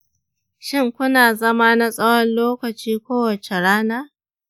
shin, kuna zama na tsawon lokaci kowace rana?